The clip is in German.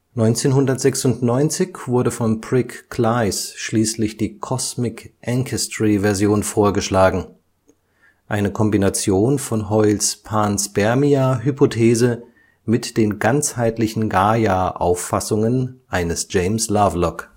1996 wurde von Brig Klyce schließlich die Cosmic-Ancestry-Version vorgeschlagen, eine Kombination von Hoyles Panspermia-Hypothese mit den ganzheitlichen Gaia-Auffassungen eines James Lovelock